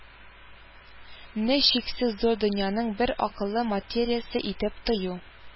Не чиксез зур дөньяның бер «акыллы материясе» итеп тою